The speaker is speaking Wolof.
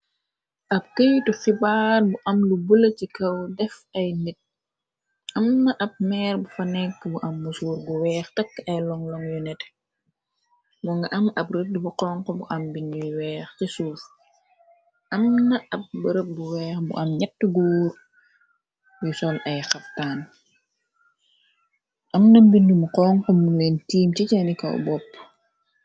ab keytu xibaar bu am lu bula ci kaw def ay nit am na ab meer bu fa nekk bu ambu suur gu weex takk ay lon lom yu net mu nga am ab rëdd bu xonx bu am bingiy weex ci suuf am na ab bërëb bu weex bu am natt guur yu son ay xabtaan am na mbind mu xonxo mu ween tiim ci cani kaw bopp